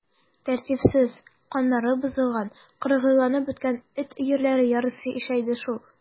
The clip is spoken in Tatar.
Тәртипсез, каннары бозылган, кыргыйланып беткән эт өерләре ярыйсы ишәйде шул.